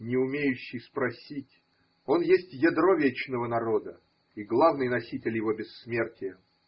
не умеющий спросить, он есть ядро вечного народа и главный носитель его бессмертия.